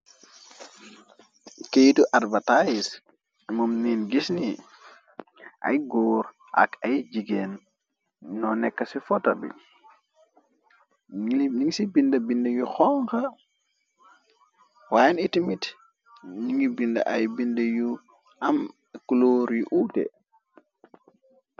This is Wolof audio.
Keytu arbatise moom neen gisni ay góor ak ay jigéen noo nekk ci fota bi ningi ci bind bind yu xonxa wyen étimit ningi bind ay bind yu am klor yu uute.